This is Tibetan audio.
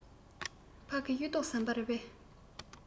ཕ གི གཡུ ཐོག ཟམ པ རེད པས